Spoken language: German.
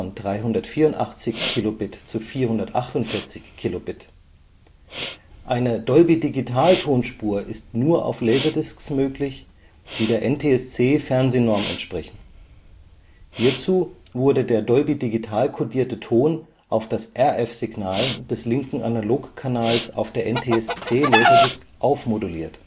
384 kbit/s zu 448 kbit/s). Eine Dolby-Digital-Tonspur ist nur auf Laserdiscs möglich, die der NTSC-Fernsehnorm entsprechen. Hierzu wurde der Dolby-Digital-codierte Ton auf das RF-Signal des linken Analogkanals auf der NTSC-Laserdisc aufmoduliert